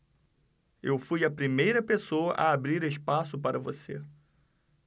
eu fui a primeira pessoa a abrir espaço para você